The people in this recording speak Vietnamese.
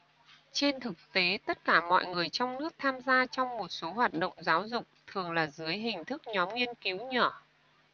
trên thực tế tất cả mọi người trong nước tham gia trong một số hoạt động giáo dục thường là dưới hình thức nhóm nghiên cứu nhỏ